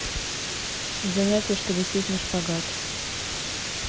занятия чтобы сесть на шпагат